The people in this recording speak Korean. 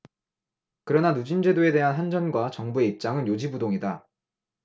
그러나 누진제도에 대한 한전과 정부의 입장은 요지부동이다